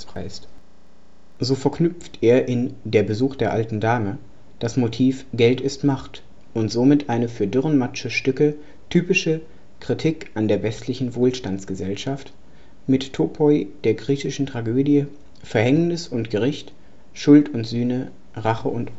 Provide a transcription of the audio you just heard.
So verknüpft er in Der Besuch der alten Dame das Motiv „ Geld ist Macht “– und somit eine für Dürrenmattsche Stücke typische „ Kritik an der westlichen Wohlstandsgesellschaft “– mit Topoi der griechischen Tragödie: „ Verhängnis und Gericht, Schuld und Sühne, Rache und